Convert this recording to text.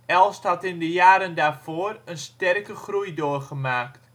Elst had in de jaren daarvoor een sterke groei doorgemaakt